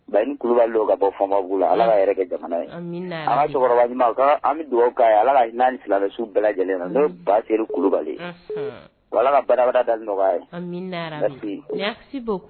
Bayini Kulubali don ka bɔ fɔnbabugula allah kla hɛrɛ kɛ jamana ye, amina , an ka cɛkɔrɔba ɲuman , an bɛ dugawu k'a ye allah ka hinɛ a ni silamɛ su bɛɛ lajɛlen na, n'oye Basedu kulubali ye, ko allah ka badaabaaa dali nɔgɔya a ye., amina, m merci, merci beaucoup